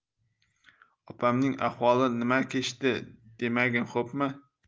opamning ahvoli nima kechdi demagin xo'pmi